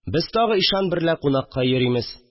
Без тагы ишан берлә кунакка йөримез